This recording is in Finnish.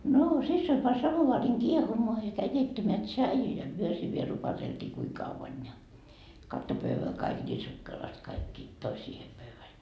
no siskoni pani samovaarin kiehumaan ja kävi keittämään tsaijua ja me siinä vielä rupateltiin kuinka kauan ja kattoi pöydän kaikki niin sukkelasti kaikki toi siihen pöydälle